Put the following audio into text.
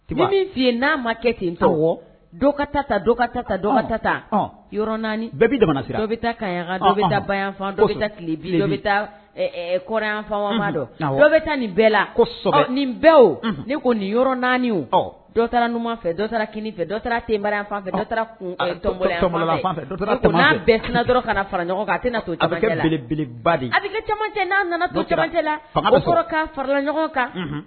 Tubi min n'a ma kɛ ten fɔka taa taka tata yɔrɔ bɛɛ bayanfan tile kfa dɔn bɛ taa nin bɛɛ la ni bɛɛ ne ko nin yɔrɔ naani dɔ fɛ dɔ kini fɛ dɔyan fanfɛ bɛɛ kana fara ɲɔgɔn kan aba a n'a nana tojɛ la a bɛ ka farala ɲɔgɔn kan